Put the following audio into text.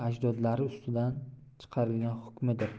ajdodlari ustidan chiqargan hukmidir